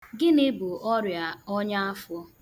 Gịnị bụ ọrịa ọnyaafọ?